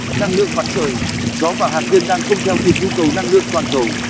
năng lượng mặt trời gió và hạt nhân đang không theo kịp nhu cầu năng lượng toàn cầu